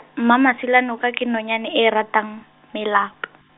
Mmamasilanoka ke nonyane e e ratang, melapo .